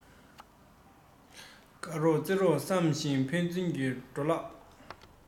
དགའ རོགས རྩེད གྲོགས བསམ ཞིང ཕན ཚུན གྱི འཕྲོ བརླག